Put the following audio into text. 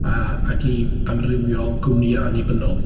A ac i amrywiol gwmnïau annibynnol.